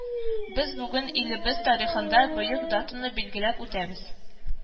Без бүген илебез тарихындагы бөек датаны билгеләп үтәбез